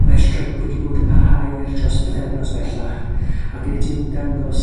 Mae'r streic wedi bod yn parhau ers dros bythefnos bellach, ac nid yw yn dangos